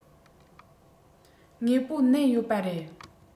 དངོས པོ བསྣན ཡོད པ རེད